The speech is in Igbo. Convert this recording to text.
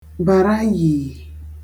bàra yìi